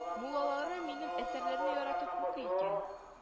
Муллалары минем әсәрләрне яратып укый икән